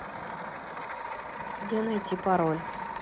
где найти пароль